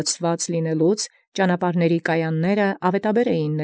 Դասաւորութիւն ճանապարհացն աւետաբեր։